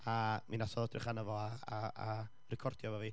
a mi wnaeth o edrych arna fo a a a recordio efo fi.